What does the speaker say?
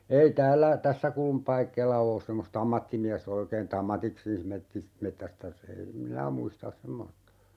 ei täällä tässä - semmoista ammattimiestä oikein että ammatikseen - metsästäisi ei en minä muista semmoista